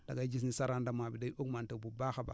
da ngay gis ni sa rendement bi day augmenter bu baax a baax